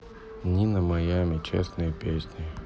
нина маями честные песни